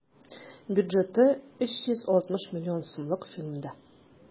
Бюджеты 360 миллион сумлык фильмда.